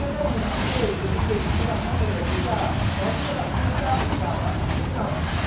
hôm nay thì hai khách mời của chương trình sẽ là hai người đẹp xứ trà đó chính là bạn thu trang và bạn bích ngọc